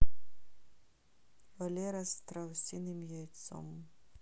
валера с страусиным яйцом